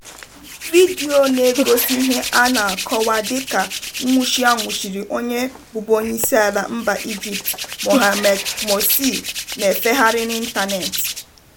Vidiyo na-egosi ihe a na-akọwa dịka nnwuchi anwuchiri onye bụbu onyeisiala mba Ijipt Mohamed Morsi na-efegharị n'ịntanetị.